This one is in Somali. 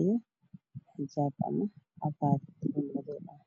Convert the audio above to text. iyo saako madow, xijaab madow ah.